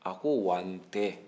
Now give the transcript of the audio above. a ko wa n tɛ